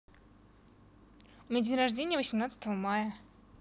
у меня день рождения восемнадцатого мая